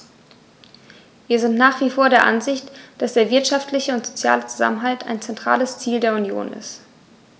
Wir sind nach wie vor der Ansicht, dass der wirtschaftliche und soziale Zusammenhalt ein zentrales Ziel der Union ist.